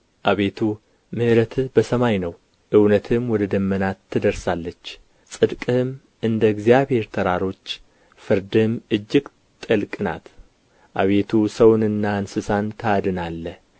አቤቱ ምሕረትህ በሰማይ ነው እውነትህም ወደ ደመናት ትደርሳለች ጽድቅህም እንደ እግዚአብሔር ተራሮች ፍርድህም እጅግ ጥልቅ ናት አቤቱ ሰውንና እንስሳን ታድናለህ